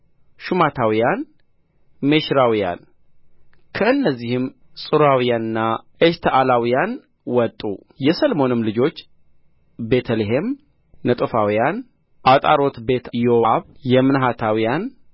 ሹማታውያን ሚሽራውያን ከእነዚህም ጾርዓውያንና ኤሽታኦላውያን ወጡ የሰልሞንም ልጆች ቤተ ልሔም ነጦፋውያን ዓጣሮትቤትዮአብ የመናሕታውያን